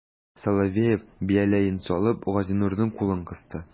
Соловеев, бияләен салып, Газинурның кулын кысты.